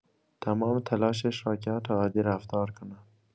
تمام تلاشش را کرد تا عادی رفتار کند.